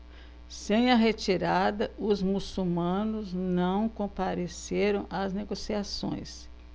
sem a retirada os muçulmanos não compareceram às negociações